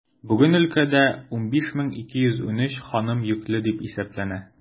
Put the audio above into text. Бүген өлкәдә 15213 ханым йөкле дип исәпләнә.